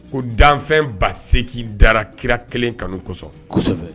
Ko danfɛn ba segin da kira kelen kanu kɔsɔ